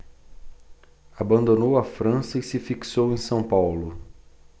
abandonou a frança e se fixou em são paulo